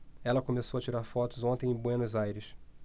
ela começou a tirar fotos ontem em buenos aires